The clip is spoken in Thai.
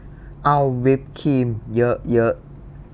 เอาวิปครีมเยอะเยอะ